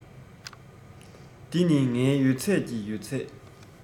འདི ནི ངའི ཡོད ཚད ཀྱི ཡོད ཚད